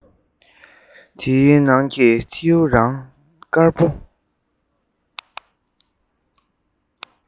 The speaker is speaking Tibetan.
དེའི ནང གི ཐེའུ རང དཀར པོ